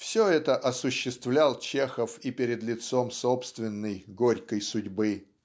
все это осуществлял Чехов и перед лицом собственной горькой судьбы.